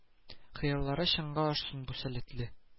Хыяллары чынга ашсын бу сәләтле